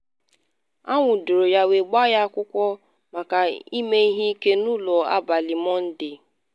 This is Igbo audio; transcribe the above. Anwudoro ya wee gbaa ya akwụkwọ maka ime ihe ike n’ụlọ n’abalị Mọnde